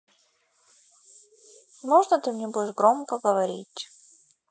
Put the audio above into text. можно ты мне будешь громко говорить